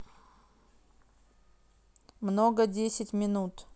много десять минут